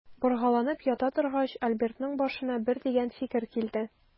Боргаланып ята торгач, Альбертның башына бер дигән фикер килде.